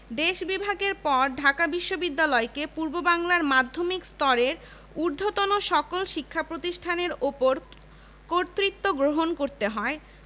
এ প্রতিষ্ঠান প্রাচ্যের অক্সফোর্ড হিসেবে খ্যাতি লাভ করে অবহেলিত পূর্ববাংলার বিভিন্ন কর্মক্ষেত্রে নতুন প্রজন্মের নেতৃত্ব সৃষ্টিতে ঢাকা বিশ্ববিদ্যালয়ের অবদান উল্লেখযোগ্য